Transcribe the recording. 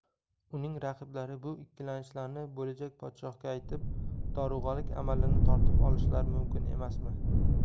uning raqiblari bu ikkilanishlarni bo'lajak podshohga aytib dorug'alik amalini tortib olishlari mumkin emasmi